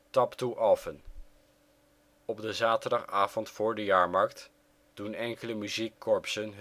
Taptoe Alphen: Op de zaterdagavond voor de jaarmarkt doen enkele muziekkorpsen